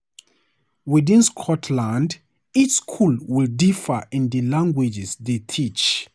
Within Scotland, each school will differ in the languages they teach.